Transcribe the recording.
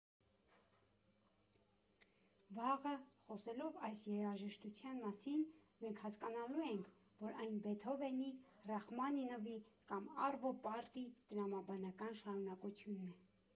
Վաղը, խոսելով այս երաժշտության մասին, մենք հասկանալու ենք, որ այն Բեթհովենի, Ռախմանինովի կամ Առվո Պառտի տրամաբանական շարունակությունն է։